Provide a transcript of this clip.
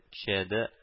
Кичәдә